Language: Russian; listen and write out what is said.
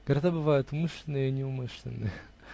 (Города бывают умышленные и неумышленные).